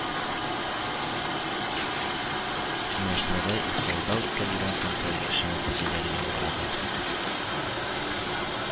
Киңәшмәдә ИФОда үткәрелгән контроль эше нәтиҗәләре яңгырады